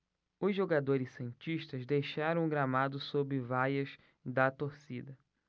os jogadores santistas deixaram o gramado sob vaias da torcida